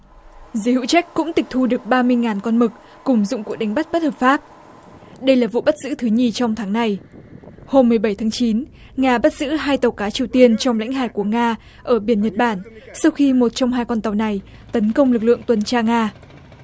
giới hữu trách cũng tịch thu được ba mươi ngàn con mực cùng dụng cụ đánh bắt bất hợp pháp đây là vụ bắt giữ thứ nhì trong tháng này hôm mười bảy tháng chín nga bắt giữ hai tàu cá triều tiên trong lãnh hải của nga ở biển nhật bản sau khi một trong hai con tàu này tấn công lực lượng tuần tra nga